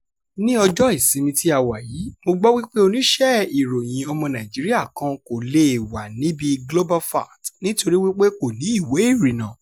Ní ọjọ́ ìsinmi tí a wà yìí, mo gbọ́ wípé oníṣẹ́-ìròyìn ọmọ Nàìjíríà kan kò le è wà níbí GlobalFact nítorí wípé kò ní ìwé ìrìnnà.